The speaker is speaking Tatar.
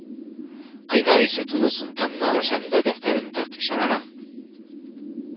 Коймак исе тулы сумкамны ачам да дәфтәремне тартып чыгарам